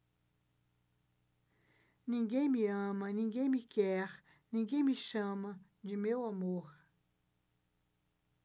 ninguém me ama ninguém me quer ninguém me chama de meu amor